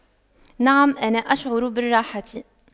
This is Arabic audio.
نعم انا اشعر بالراحة